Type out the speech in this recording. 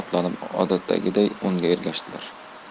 otlanib odatdagiday unga ergashdilar